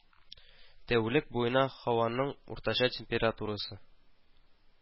Тәүлек буена һаваның уртача температурасы